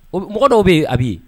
Mɔgɔ dɔw bɛ yen a bi yen